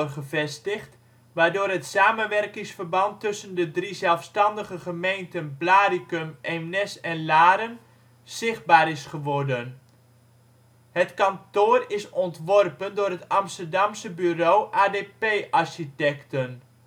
gevestigd, waardoor het samenwerkingsverband tussen de drie zelfstandige gemeenten Blaricum, Eemnes en Laren zichtbaar is geworden. Het kantoor is ontworpen door het Amsterdamse bureau ADP Architecten